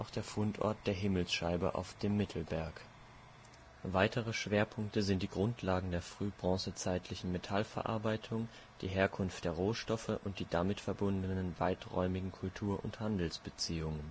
der Fundort der Himmelsscheibe auf dem Mittelberg. Weitere Schwerpunkte sind die Grundlagen der frühbronzezeitlichen Metallverarbeitung, die Herkunft der Rohstoffe und die damit verbundenen weiträumigen Kultur - und Handelsbeziehungen